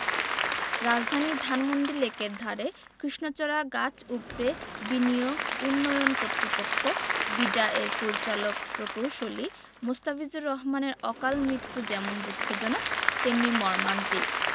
রাজধানীর ধানমন্ডি লেকের ধারে কৃষ্ণচূড়া গাছ উপড়ে বিনিয়োগ উন্নয়ন কর্তৃপক্ষ বিডা এর পরিচালক প্রকৌশলী মোস্তাফিজুর রহমানের অকালমৃত্যু যেমন দুঃখজনক তেমনি মর্মান্তিক